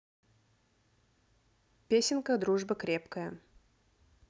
песенка дружба крепкая